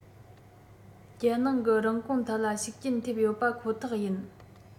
རྒྱལ ནང གི རིན གོང ཐད ལ ཤུགས རྐྱེན ཐེབས ཡོད པ ཁོ ཐག ཡིན